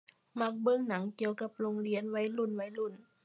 มักเบิ่งหนังเกี่ยวกับโรงเรียนวัยรุ่นวัยรุ่น